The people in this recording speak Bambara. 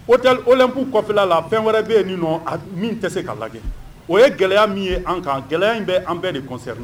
O olɛn'u kɔfila la fɛn wɛrɛ bɛ yen nin nɔ min tɛ se k'a lajɛ o ye gɛlɛya min ye an kan gɛlɛya bɛ an bɛɛ de kɔnsɛ